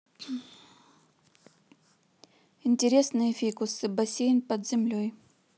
интересные фикусы бассейн под землей